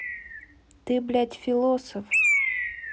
ты блядь философ